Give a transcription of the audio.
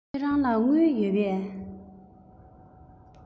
ཁྱེད རང ལ དངུལ ཡོད པས